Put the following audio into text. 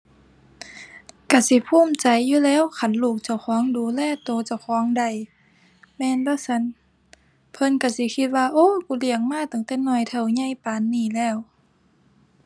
ก็สิภูมิใจอยู่แหล้ว คันลูกเจ้าของดูแลก็เจ้าของได้ แม่นบ่ซั้น เพิ่นก็สิคิดว่า โอ้ กูเลี้ยงมาตั้งแต่น้อยเท่าใหญ่ปานนี้แล้ว